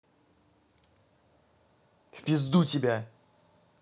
в пизду тебя